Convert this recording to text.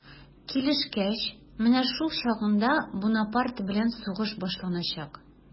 Килешкәч, менә шул чагында Бунапарте белән сугыш башланачак.